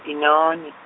Benoni.